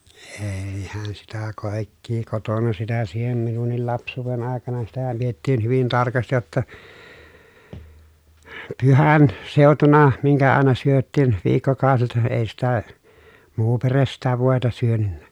eihän sitä kaikkea kotona sitä siihen minunkin lapsuuden aikana sitähän pidettiin hyvin tarkasti jotta - pyhänseutuna minkä aina syötiin viikkokaudet ei sitä muu perhe sitä voita syönyt